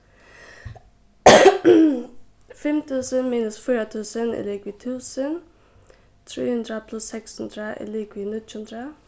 fimm túsund minus fýra túsund er ligvið túsund trý hundrað pluss seks hundrað er ligvið níggju hundrað